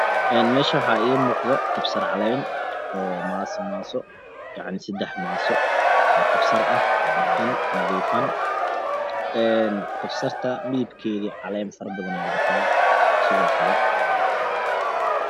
Meshan waxaa iga muuqdo kabasar caleen oo sadex qaybood ah dhaqan nadiif ah kabsarta waxay leedahay caleemo fara badan